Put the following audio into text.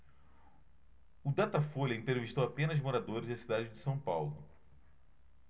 o datafolha entrevistou apenas moradores da cidade de são paulo